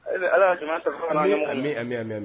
Ala bɛ an bɛ mɛn